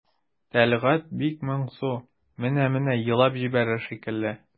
Тәлгать бик моңсу, менә-менә елап җибәрер шикелле.